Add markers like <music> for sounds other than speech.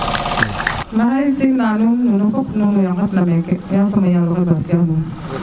<applause> maxey sim naa nun no fop nuun we ŋet na meeke fop yasam o yaalo xe barke a nuun